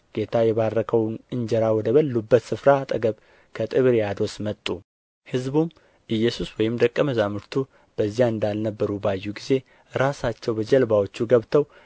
ጌታ የባረከውን እንጀራ ወደ በሉበት ስፍራ አጠገብ ከጥብርያዶስ መጡ ሕዝቡም ኢየሱስ ወይም ደቀ መዛሙርቱ በዚያ እንዳልነበሩ ባዩ ጊዜ ራሳቸው በጀልባዎቹ ገብተው